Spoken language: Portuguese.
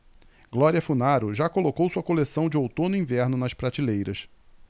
glória funaro já colocou sua coleção de outono-inverno nas prateleiras